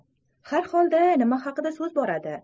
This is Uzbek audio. har holda nima haqida so'z boradi